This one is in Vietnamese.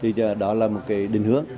thì đó là một cái định hướng